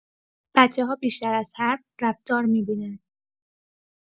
بچه‌ها بیشتر از حرف، رفتار می‌بینن.